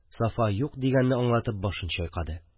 Сафа «юк» дигәнне аңлатып башын чайкады.